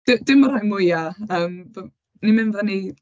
Di- dim y rhai mwya. Yym b- ni'n mynd fyny...